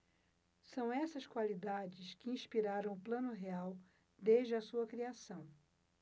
são essas qualidades que inspiraram o plano real desde a sua criação